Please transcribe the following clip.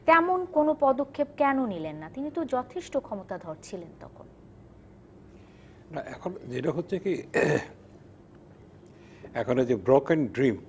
তেমন কোনো পদক্ষেপ কেন নিলেন না তিনি তো যথেষ্ট ক্ষমতাধর ছিলেন তখন না এখন যেটা হচ্ছে কি এখন এই যে ব্রকেন ড্রিম